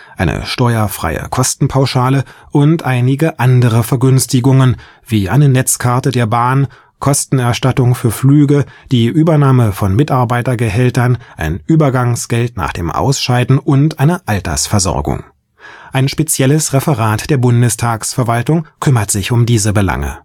eine steuerfreie Kostenpauschale und einige andere Vergünstigungen wie eine Netzkarte der Bahn, Kostenerstattung für Flüge, die Übernahme von Mitarbeitergehältern, ein Übergangsgeld nach dem Ausscheiden und eine Altersversorgung. Ein spezielles Referat der Bundestagsverwaltung kümmert sich um diese Belange